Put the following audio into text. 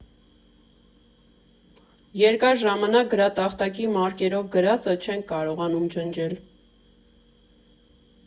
Երկար ժամանակ գրատախտակի մարկերով գրածը չենք կարողանում ջնջել։